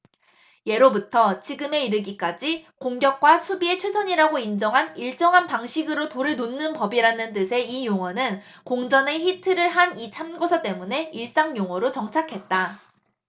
예로부터 지금에 이르기까지 공격과 수비에 최선이라고 인정한 일정한 방식으로 돌을 놓는 법이라는 뜻의 이 용어는 공전의 히트를 한 이 참고서 때문에 일상용어로 정착했다